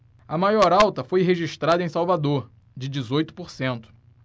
a maior alta foi registrada em salvador de dezoito por cento